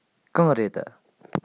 གང རེད